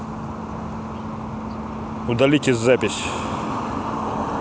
удалите запись